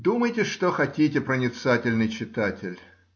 Думайте, что хотите, проницательный читатель.